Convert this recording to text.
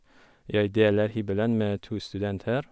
Jeg deler hybelen med to studenter.